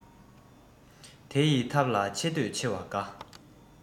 དེ ཡི ཐབས ལ ཆེ འདོད ཆེ བ དགའ